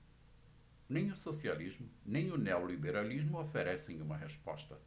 nem o socialismo nem o neoliberalismo oferecem uma resposta